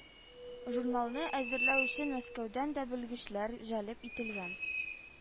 Журналны әзерләү өчен Мәскәүдән дә белгечләр җәлеп ителгән